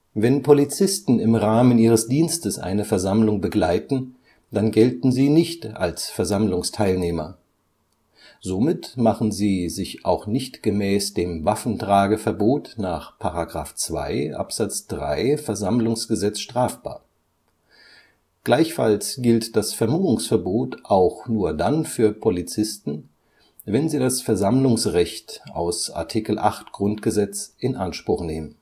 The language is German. Wenn Polizisten im Rahmen ihres Dienstes eine Versammlung begleiten, dann gelten sie nicht als Versammlungsteilnehmer. Somit machen sie sich auch nicht gemäß dem Waffentrageverbot nach § 2 Abs. 3 VersammlG strafbar. Gleichfalls gilt das Vermummungsverbot auch nur dann für Polizisten, wenn sie das Versammlungsrecht aus Art. 8 GG in Anspruch nehmen